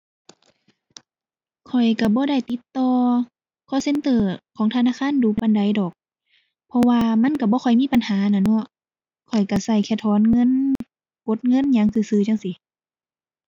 ข้อยก็บ่ได้ติดต่อ call center ของธนาคารดู๋ปานใดดอก เพราะว่ามันก็บ่ค่อยมีปัญหาน่ะเนาะ ข้อยก็ก็แค่ถอนเงิน กดเงินหยังซื่อซื่อจั่งซี้